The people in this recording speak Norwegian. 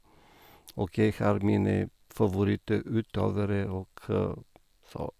Og jeg har mine favoritt-utøvere og så.